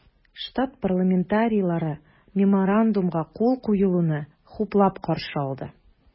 Штат парламентарийлары Меморандумга кул куелуны хуплап каршы алды.